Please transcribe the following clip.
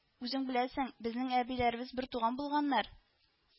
Үзең беләсең, безнең әбиләребез бертуган булганнар